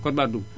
code :barre dugg